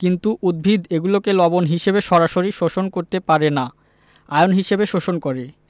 কিন্তু উদ্ভিদ এগুলোকে লবণ হিসেবে সরাসরি শোষণ করতে পারে না আয়ন হিসেবে শোষণ করে